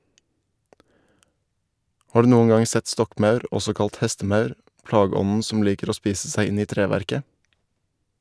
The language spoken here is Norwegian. Har du noen gang sett stokkmaur, også kalt hestemaur, plageånden som liker å spise seg inn i treverket?